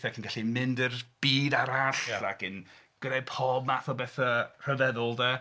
Ac yn gallu mynd i'r byd arall ac yn gwneud pob math o bethau rhyfeddol 'de.